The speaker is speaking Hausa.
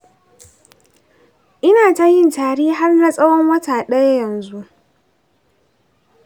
ina ta yin tari har na tsawon wata ɗaya yanzu.